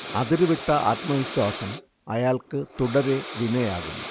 അതിരുവിട്ട ആത്മവിശ്വാസം അയാൾക്ക് തുടരെ വിനയാകുന്നു